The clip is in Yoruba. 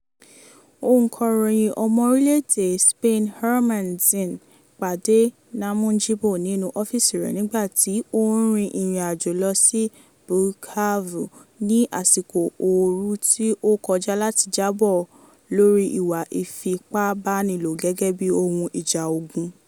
Ọ̀ǹkọ̀ròyìn ọmọ orílẹ̀ èdè Spain Hermán Zin pàdé Namujimbo nínú ọ́fíìsì rẹ̀ nígbàtí ó rin ìrìn àjò lọ sí Bukavu ní àsìkò ooru tí ó kọjá láti jábọ̀ lórí ìwà ìfipábánilò gẹ́gẹ́ bíi ohun ìjà ogun.